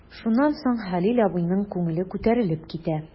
Шуннан соң Хәлил абыйның күңеле күтәрелеп китә.